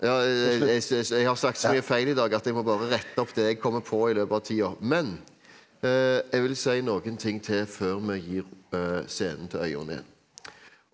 ja jeg jeg har sagt så mye feil i dag at jeg må bare rette opp det jeg kommer på i løpet av tida, men jeg vil si noen ting til før vi gir scenen til Øyonn igjen.